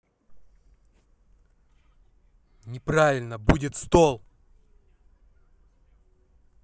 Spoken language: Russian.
неправильно будет стол